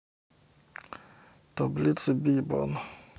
таблица бибан